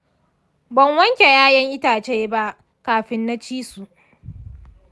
ban wanke ‘ya’yan itacen ba kafin na ci su.